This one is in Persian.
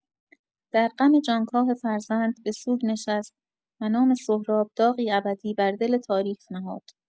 در غم جانکاه فرزند، به سوگ نشست، و نام سهراب، داغی ابدی بر دل تاریخ نهاد.